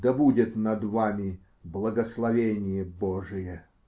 Да будет над вами благословение Божие.